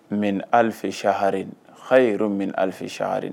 Mɛ ali sa ha ha min ali fɛ sahaaa